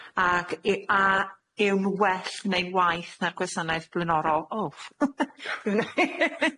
ag i- a yw'n well neu'n waeth na'r gwasanaeth blaenorol? Oh ff-